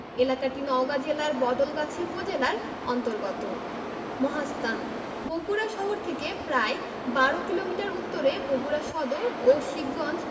এলাকাটি নওগাঁ জেলার বদলগাছি উপজেলার অন্তর্গত মহাস্থান বগুড়া শহর থেকে প্রায় ১২ কিলোমিটার উত্তরে বগুড়া সদর ও শিবগঞ্জ